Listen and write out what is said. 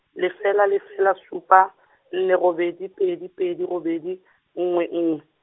lefela lefela supa, le robedi pedi pedi robedi , nngwe nngwe.